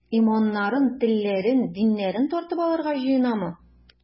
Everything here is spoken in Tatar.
Иманнарын, телләрен, диннәрен тартып алырга җыенамы?